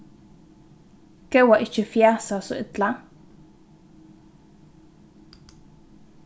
góða ikki fjasa so illa